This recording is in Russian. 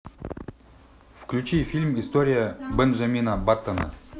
включи фильм история бенджамина баттона